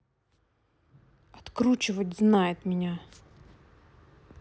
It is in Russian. откручивать знает меня